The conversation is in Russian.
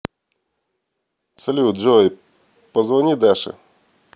салют джой позвони даше